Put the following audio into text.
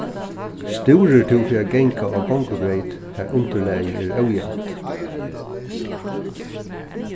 stúrir tú fyri at ganga á gongubreyt har undirlagið er ójavnt